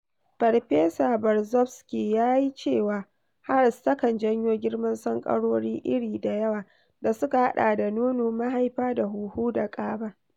Farfesa Berzofsky ya yi cewa HERS takan "janyo girman sankarori iri-iri da yawa," da suka haɗa da nono, mahaifa, huhu da ƙaba.